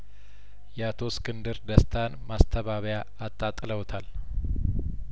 የአቶ እስክንድር ደስታን ማስተባበያአጣጥለውታል